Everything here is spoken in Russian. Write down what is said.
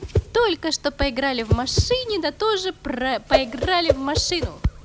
только что поиграли в машине да тоже поиграли в машину